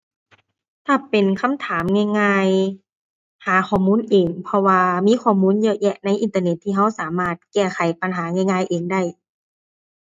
ถ้าเป็นคำถามง่ายง่ายหาข้อมูลเอง เพราะว่ามีข้อมูลเยอะแยะในอินเทอร์เน็ตที่เราสามารถแก้ไขปัญหาง่ายง่ายเองได้